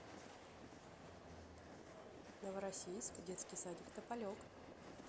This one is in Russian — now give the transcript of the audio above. новороссийск детский садик тополек